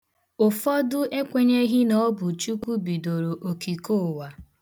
Ụfodụ ekwenyeghị na ọ bụ Chukwu bidoro okike ụwa.